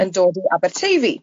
...yn dod i Aberteifi.